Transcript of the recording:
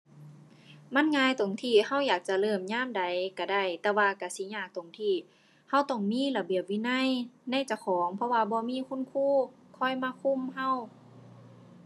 มันง่ายตรงที่เราอยากจะเริ่มยามใดเราได้ แต่ว่าเราสิยากตรงที่เราต้องมีระเบียบวินัยในเจ้าของ เพราะว่าบ่มีคุณครูคอยมาคุมเรา